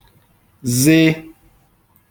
zị